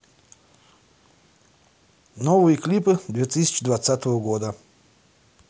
новые клипы две тысячи двадцатого года